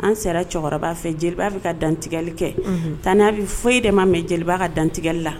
an sera cɛkɔrɔba fɛ jeliba fɛ ka dantigɛli kɛ tan n'a bɛ foyi de ma mɛ jeliba ka dantigɛli la